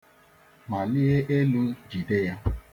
Malie elu jide ya!